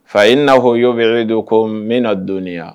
Fayi in n na h y'o bɛere don ko min na don